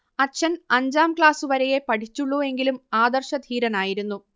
അച്ഛൻ അഞ്ചാം ക്ലാസുവരെയെ പഠിച്ചുള്ളൂ എങ്കിലും ആദർശധീരനായിരുന്നു